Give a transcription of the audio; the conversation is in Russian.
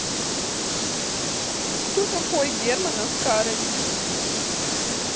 кто такой герман оскарович